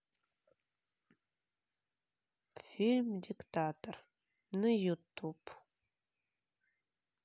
фильм диктатор на ютуб